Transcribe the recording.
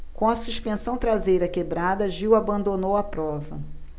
com a suspensão traseira quebrada gil abandonou a prova